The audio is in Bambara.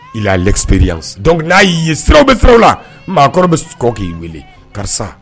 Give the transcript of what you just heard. il a l'expérience donc n'a y'i ye sira bɛ siraw la maakɔrɔ bɛ kɔn k'i weele karisa